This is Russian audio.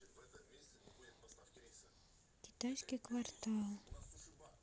китайский квартал